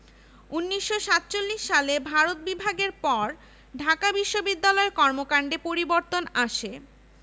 কালাকানুন হিসেবে চিহ্নিত এ অর্ডিন্যান্স বিশ্ববিদ্যালয়ে একটি শ্বাসরুদ্ধকর পরিস্থিতির সৃষ্টি করে ঢাকা বিশ্ববিদ্যালয়ের ছাত্রদের উদ্যোগেই গড়ে উঠে ১৯৬৮ সালের এগারো দফা আন্দোলন